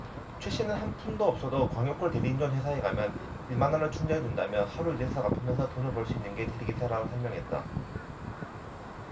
최씨는 한 푼도 없어도 광역콜 대리운전 회사에 가면 일 만원을 충전해준다며 하루 일해서 갚으면서 돈을 벌 수 있는 게 대리기사라 설명했다